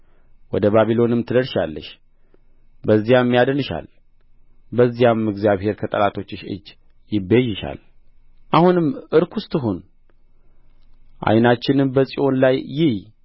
ወደ ባቢሎንም ትደርሻለሽ በዚያም ያድንሻል በዚያም እግዚአብሔር ከጠላቶችሽ እጅ ይቤዥሻል አሁንም ርኩስ ትሁን ዓይናችንም በጽዮን ላይ ይይ